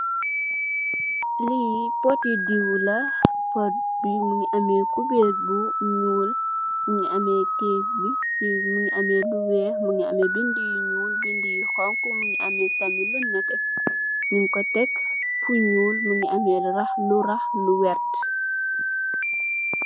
Li poti diw la, pót bi mugii ameh kuberr bu ñuul, mugii ameh kayiti bi, mugii ameh lu wèèx, mugii ameh bindi yu ñuul, bindi yu xonxu, mugii ameh tamit lu netteh, ñing ko tèk fu ñuul mugii ameh lu rax lu werta.